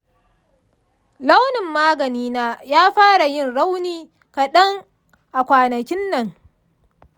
launin ganina ya fara yin rauni kaɗan a kwanakin nan.